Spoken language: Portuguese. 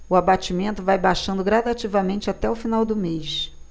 o abatimento vai baixando gradativamente até o final do mês